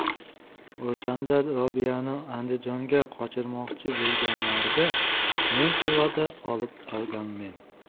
o'shanda robiyani andijonga qochirmoqchi bo'lganlarida men quvada olib qolganmen